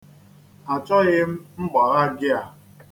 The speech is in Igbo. Achọghị mgbagha gị a.